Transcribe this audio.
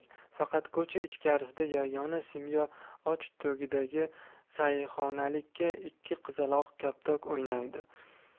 faqat ko'cha ichkarisida yagona simyog'och tagidagi sayhonlikda ikki qizaloq koptok o'ynaydi